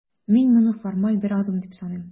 Мин моны формаль бер адым дип саныйм.